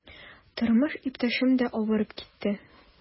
Тормыш иптәшем дә авырып китте.